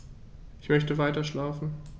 Ich möchte weiterschlafen.